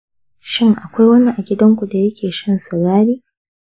shin akwai wani a gidanku da yake shan cigari?